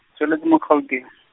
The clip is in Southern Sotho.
ke tswaletswe mo Gauteng